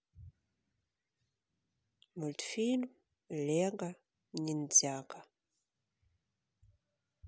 мультфильм лего ниндзяго